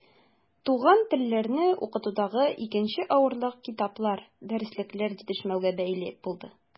Туган телләрне укытудагы икенче авырлык китаплар, дәреслекләр җитешмәүгә бәйле булды.